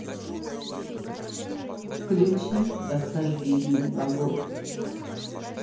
включи восхождение богов